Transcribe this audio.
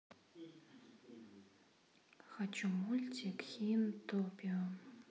хочу мультик хинтопию